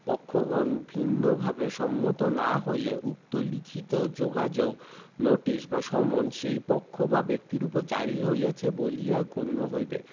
পক্ষগণ ভিন্নভাবে সম্মত না হইলে উক্ত লিখিত যোগাযোগ নোটিশ বা সমন সেই পক্ষ বা ব্যক্তির উপর জারী হইয়াছে বলিয়া গণ্য হইবে